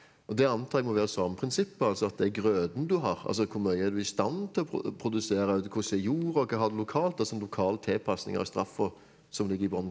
og det antar jeg må være samme prinsipp, altså at det er grøden du har altså hvor mye er du i stand til å produsere, hvordan er jorda, hva har du lokalt altså en lokal tilpasning av straffa som ligger i bunn.